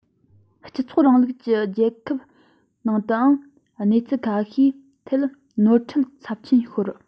སྤྱི ཚོགས རིང ལུགས ཀྱི རྒྱལ ཁབ ནང དུའང གནས ཚུལ ཁ ཤས ཐད ནོར འཁྲུལ ཚབས ཆེན ཤོར